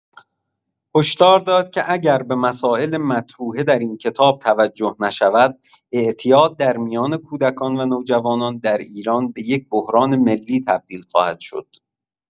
هشدار داد که اگر به مسائل مطروحه در این کتاب توجه نشود، اعتیاد در میان کودکان و نوجوانان در ایران به یک بحران ملی تبدیل خواهد شد.